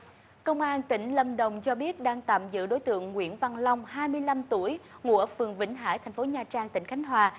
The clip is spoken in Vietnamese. công an tỉnh lâm đồng cho biết đang tạm giữ đối tượng nguyễn văn long hai mươi lăm tuổi ngụ ở phường vĩnh hải thành phố nha trang tỉnh khánh hòa